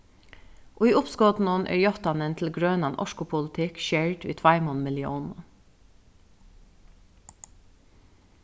í uppskotinum er játtanin til grønan orkupolitikk skerd við tveimum milliónum